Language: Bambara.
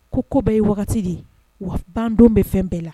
Ko ko bɛɛ ye wagati de ye wa bandon bɛ fɛn bɛɛ la